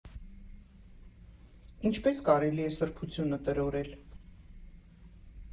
Ինչպե՞ս կարելի է սրբությունը տրորել։